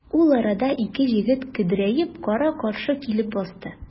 Ул арада ике җегет көдрәеп кара-каршы килеп басты.